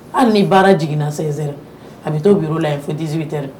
Hali ni baara jiginna 16 heures a bɛ to bureau la yen fo 18 heures